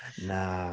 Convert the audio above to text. Na.